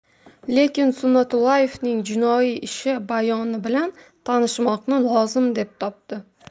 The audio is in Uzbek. lekin sunnatullaevning jinoiy ishi bayoni bilan tanishmoqni lozim deb topdi